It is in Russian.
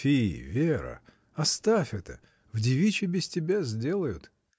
— Фи, Вера: оставь это, в девичьей без тебя сделают.